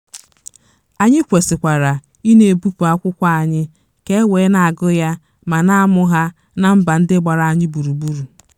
Anyị kwesịkwara ịna-ebupụ akwụkwọ anyị ka e wee na-agụ ha ma na-amụ ha ná mba ndị gbara anyị gburugburu.